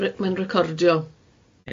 Re- mae'n recordio.